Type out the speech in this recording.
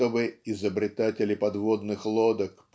чтобы "изобретатели подводных лодок